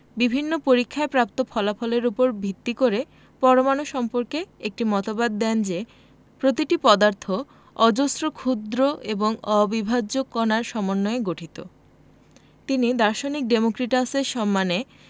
বিভিন্ন পরীক্ষায় প্রাপ্ত ফলাফলের উপর ভিত্তি করে পরমাণু সম্পর্কে একটি মতবাদ দেন যে প্রতিটি পদার্থ অজস্র ক্ষুদ্র এবং অবিভাজ্য কণার সমন্বয়ে গঠিত তিনি দার্শনিক ডেমোক্রিটাসের সম্মানে